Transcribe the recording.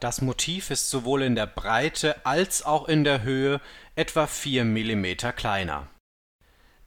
Das Motiv ist sowohl in der Breite als auch in der Höhe etwa 4 mm kleiner.